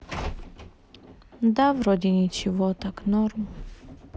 да вроде ничего так норм